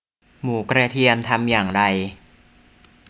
หมูกระเทียมทำอย่างไร